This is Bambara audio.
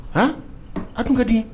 Hɔn a tun ka di